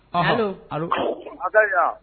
A ali yan